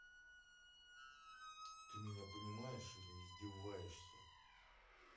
ты меня понимаешь или издеваешься